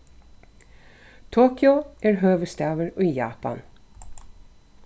tokyo er høvuðsstaður í japan